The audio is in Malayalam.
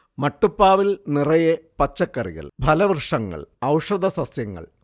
മട്ടുപ്പാവിൽ നിറയെ പച്ചക്കറികൾ, ഫലവൃക്ഷങ്ങൾ, ഔഷധ സസ്യങ്ങൾ